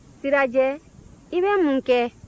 sirajɛ i bɛ mun kɛ